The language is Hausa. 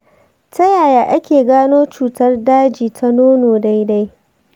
ta yaya ake gano cutar daji ta nono daidai?